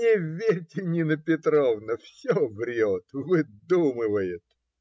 - Не верьте, Нина Петровна! Все врет! Выдумывает!